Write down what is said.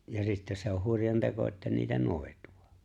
ja sitten se on hurjan teko että niitä noituu